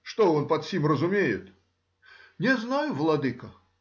что он под сим разумеет? — Не знаю, владыко.